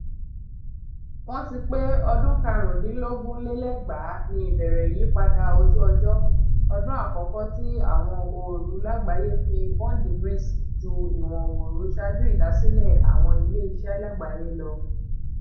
Wọ́n ti pé ọdún 2015 ní ìbẹ̀rẹ̀ ìyípadà ojú ọjọ́; ọdún àkọ́kọ́ tí ìwọ̀n ooru lágbàáyé fi 1°C ju ìwọ̀n ooru ṣáájú ìdásílẹ̀ àwọn ilé iṣẹ́ lágbàáyé lọ.